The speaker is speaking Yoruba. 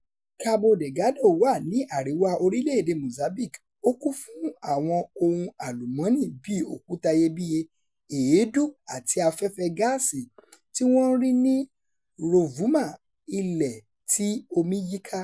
Cabo Delgado wà ní àríwá orílè-èdè Mozambique, ó kún fún àwọn ohun àlùmọ́nì bí i òkúta iyebíye, èédú àti afẹ́fẹ́ gáàsì tí wọ́n rí ní Rovuma, ilẹ tí omí yí ká.